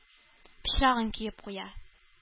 Пычрагын коеп куя.